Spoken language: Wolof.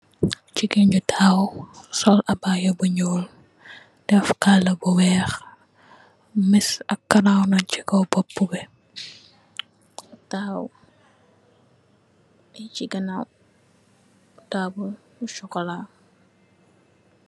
Jigéen ju tahaw, sol abaya bu ñuul, deff kala bu weeh miss ak kurawn nèchi kaw boppu bi. Tahaw chi ganaaw taabul bu sokola.